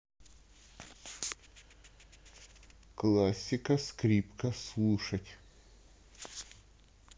классика скрипка слушать